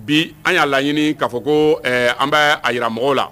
Bi an y'a laɲini k'a fɔ ko an bɛ a jira mɔgɔw la